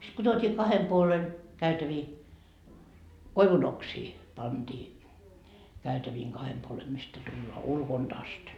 sitten kun tuotiin kahden puolen käytäviä koivunoksia pantiin käytävien kahden puolen mistä tullaan ulkoa asti